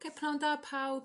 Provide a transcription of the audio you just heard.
Oce, pnawn da pawb yym